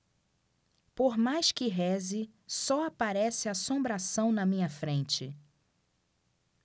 por mais que reze só aparece assombração na minha frente